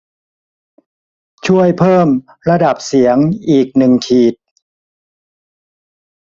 ช่วยเพิ่มระดับเสียงอีกหนึ่งขีด